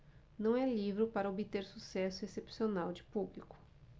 não é livro para obter sucesso excepcional de público